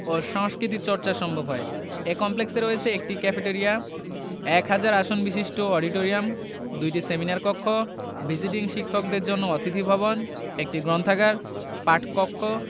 ও সংস্কৃতি চর্চা সম্ভব হয় এ কমপ্লেক্সে রয়েছে একটি ক্যাফেটরিয়া এক হাজার আসনবিশিষ্ট অডিটোরিয়াম ২টি সেমিনার কক্ষ ভিজিটিং শিক্ষকদের জন্য অতিথি ভবন একটি গ্রন্থাগার পাঠকক্ষ